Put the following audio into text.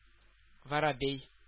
Воробей